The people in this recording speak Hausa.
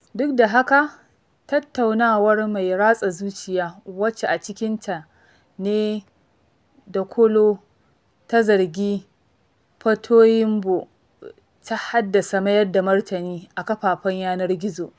Duk da haka, tattaunawar mai ratsa zuciya wacce a cikinta ne Dakolo ta zargi Fatoyinbo ta haddasa mayar da martani a kafafen yanar gizo.